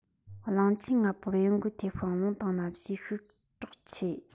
གླིང ཆེན ལྔ པོར གཡོ འགུལ ཐེབས ཤིང རླུང དང གནམ ལྕགས ཤུགས དྲག ཆེ